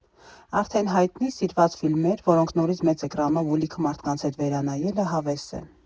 Արդեն հայտնի, սիրված ֆիլմեր, որոնք նորից մեծ էկրանով ու լիքը մարդկանց հետ վերանայելը հավես է։